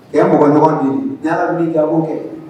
A ye mɔgɔ ɲɔgɔn de n'i gako kɛ